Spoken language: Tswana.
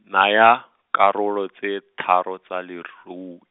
naya, karolo tse tharo tsa lerui.